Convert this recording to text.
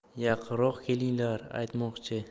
yaqinroq kelinglar aytmoqchi